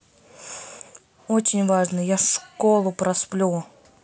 очень важно я школу просплю